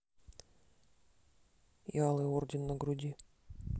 и алый орден на груди